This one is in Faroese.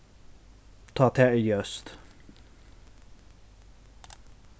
tá tað er ljóst